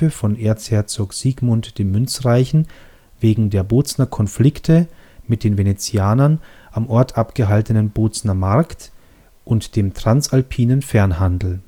von Erzherzog Sigmund dem Münzreichen wegen der Bozner Konflikte mit den Venezianern am Ort abgehaltenen Bozener Markt und dem transalpinen Fernhandel